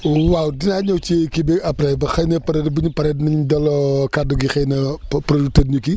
waaw dinaa ñëw ci kii bi après ba xëy na peut être bu ñu paree dinañ delloo kàddu gi xëy na producteurs techniques yi